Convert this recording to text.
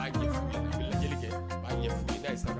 A ye kɛ an ye da saba